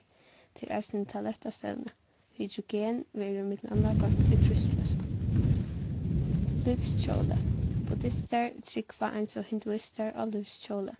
tað er eisini tað lættasta evnið hydrogen verður millum annað goymt í trýstfløskum lívshjólið buddistar trúgva eins og hinduistar á lívshjólið